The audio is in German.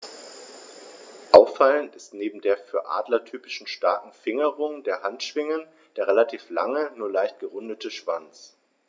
Auffallend ist neben der für Adler typischen starken Fingerung der Handschwingen der relativ lange, nur leicht gerundete Schwanz.